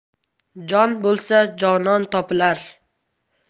jon bo'lsa jonon topilar